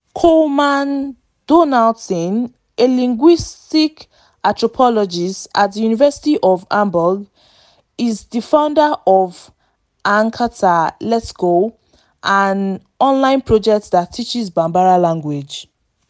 Coleman Donaldson, a linguistic anthropologist at the University of Hamburg is the founder of An ka taa (“let’s go”) an online project that teaches Bambara language.